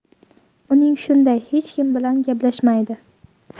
uning shunday hech kim bilan gaplashmaydi